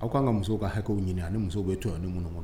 Aw k'an ka muso ka hakɛw ɲini ani musow bɛ jɔ ni mun kɔnɔ